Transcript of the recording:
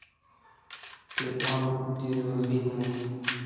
пион деревовидный